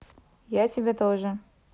я тебя тоже